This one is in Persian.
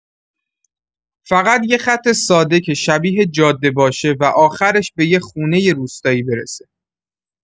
فقط یه خط ساده که شبیه جاده باشه و آخرش به یه خونۀ روستایی برسه.